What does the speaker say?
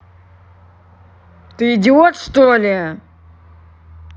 ты идиот что ли